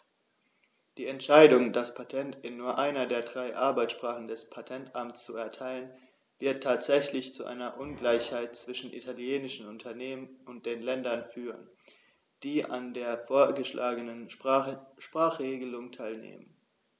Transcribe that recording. Die Entscheidung, das Patent in nur einer der drei Arbeitssprachen des Patentamts zu erteilen, wird tatsächlich zu einer Ungleichheit zwischen italienischen Unternehmen und den Ländern führen, die an der vorgeschlagenen Sprachregelung teilnehmen.